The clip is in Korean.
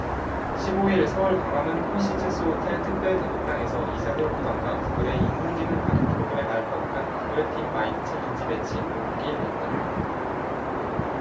십 오 일 서울 광화문 포시즌스호텔 특별대국장에서 이세돌 구 단과 구글의 인공지능 바둑 프로그램 알파고 간 구글 딥마인드 챌린지 매치 오 국이 열렸다